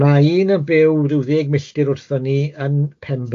Ma un yn byw ryw ddeg milltir wrthon ni yn Pen-bre